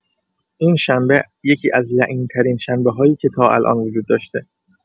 این شنبه یکی‌از لعین‌ترین شنبه‌هایی که تا الان وجود داشته